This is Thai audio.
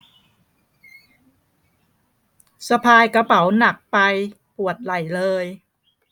สะพายกระเป๋าหนักไปปวดไหล่เลย